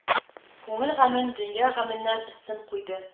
Күңел гамен дөнья гаменнән өстен куйды...